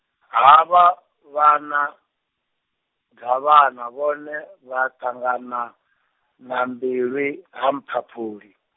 ha vha, vhana, Davhana vhone vha ṱangana, na Mbilwi ha Mphaphuli.